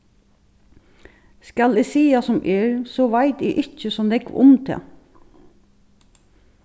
skal eg siga sum er so veit eg ikki so nógv um tað